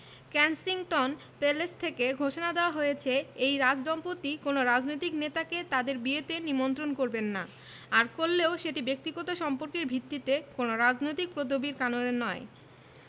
Kensington Palace থেকে ঘোষণা দেওয়া হয়েছে এই রাজদম্পতি কোনো রাজনৈতিক নেতাকে তাঁদের বিয়েতে নিমন্ত্রণ করবেন না আর করলেও সেটি ব্যক্তিগত সম্পর্কের ভিত্তিতে কোনো রাজনৈতিক পদবির কারণে নয়